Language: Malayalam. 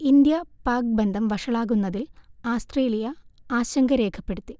ഇന്ത്യാ പാക് ബന്ധം വഷളാകുന്നതിൽ ആസ്ത്രേലിയ ആശങ്ക രേഖപ്പെടുത്തി